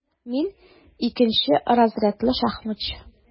Мин - икенче разрядлы шахматчы.